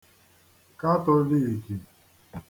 katoliiki